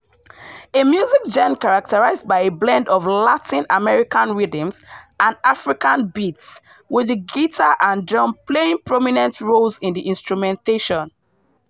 A music genre characterized by a blend of Latin American rhythms and African beats, with the guitar and drum playing prominent roles in the instrumentation.